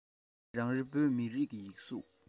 སི ཁྲོན